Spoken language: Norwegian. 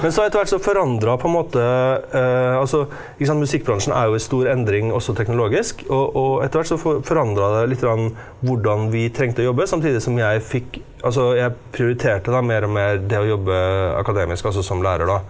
men så etter hvert så forandra på en måte altså ikke sant musikkbransjen er jo i stor endring også teknologisk, og og etter hvert så forandra det lite grann hvordan vi trengte å jobbe, samtidig som jeg fikk altså jeg prioriterte da mer og mer det å jobbe akademisk altså som lærer da.